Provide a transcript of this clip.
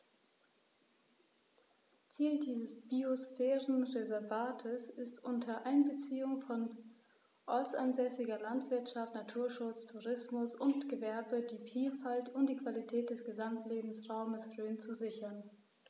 Ziel dieses Biosphärenreservates ist, unter Einbeziehung von ortsansässiger Landwirtschaft, Naturschutz, Tourismus und Gewerbe die Vielfalt und die Qualität des Gesamtlebensraumes Rhön zu sichern.